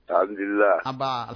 Ta hba